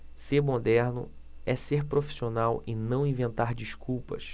ser moderno é ser profissional e não inventar desculpas